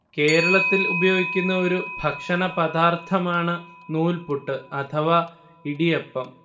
കേരളത്തിൽ ഉപയോഗിക്കുന്ന ഒരു ഭക്ഷണപദാർത്ഥമാണ് നൂൽപുട്ട് അഥവാ ഇടിയപ്പം